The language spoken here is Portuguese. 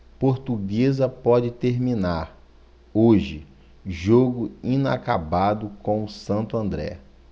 portuguesa pode terminar hoje jogo inacabado com o santo andré